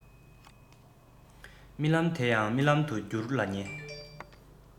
རྨི ལམ དེ ཡང རྨི ལམ དུ འགྱུར ལ ཉེ